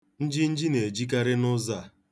Njinji na-ejikarị n'ụzọ a.